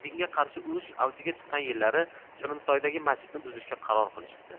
dinga qarshi yurish avjiga chiqqan yillari shirinsoydagi machitni buzishga qaror qilishibdi